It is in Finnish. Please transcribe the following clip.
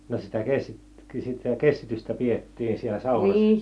no sitä - sitä kestitystä pidettiin siellä saunassa